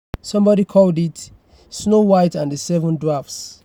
Somebody called it "Snow White and the Seven Dwarfs.""